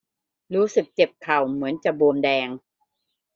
รู้สึกเจ็บเข่าเหมือนจะบวมแดง